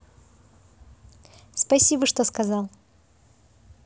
спасибо что сказал